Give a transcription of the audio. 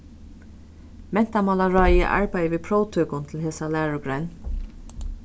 mentamálaráðið arbeiðir við próvtøkum til hesa lærugrein